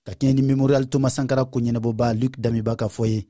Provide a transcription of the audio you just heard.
ka kɛɲɛ ni memorial thomas sankara koɲɛnabɔbaa luc damiba ka fɔ ye